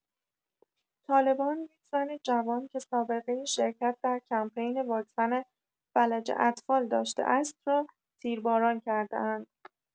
طالبان یک زن جوان که سابقه شرکت در کمپین واکسن فلج اطفال داشته است را تیرباران کرده‌اند.